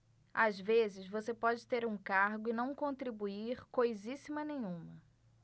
às vezes você pode ter um cargo e não contribuir coisíssima nenhuma